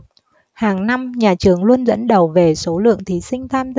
hàng năm nhà trường luôn dẫn đầu về số lượng thí sinh tham